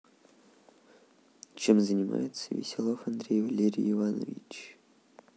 чем занимается веселов андрей валерий иванович